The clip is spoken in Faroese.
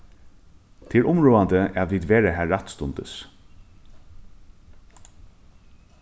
tað er umráðandi at vit vera har rættstundis